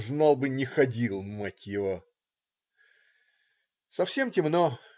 - Знал бы, не ходил, мать его. " Совсем темно.